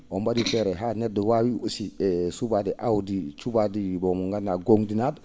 on mba?ii feere haa ne??o waawii aussi e su?aade aawdi cu?aandi bon mo ganndu?aa goo??inaa?o